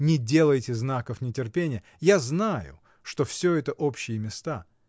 Не делайте знаков нетерпения: я знаю, что всё это общие места.